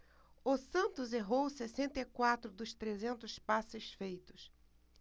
o santos errou sessenta e quatro dos trezentos passes feitos